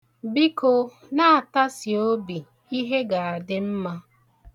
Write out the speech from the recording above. Biko, na-atasi obi, ihe ga-adị mma.